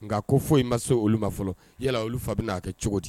Nka ko foyi ma se olu ma fɔlɔ yala olu fa bɛn'a kɛ cogo di